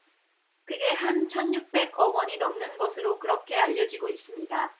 그게 한 천 육백 억 원이 넘는 것으로 그렇게 알려지고 있습니다